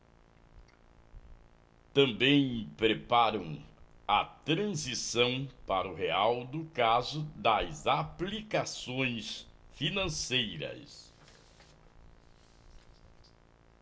também preparam a transição para o real no caso das aplicações financeiras